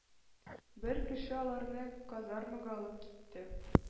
Бер кеше аларны казармага алып китте.